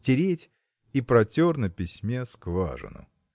тереть и протер на письме скважину.